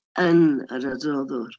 Yn yr adroddwr.